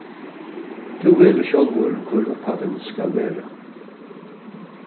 tú velur sjálvur hvør upphæddin skal vera